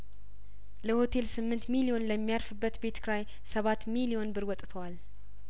ለሆቴል ስምንት ሚሊዮን ለሚያርፍበት ቤት ክራይሰባት ሚሊዮን ብር ወጥቷል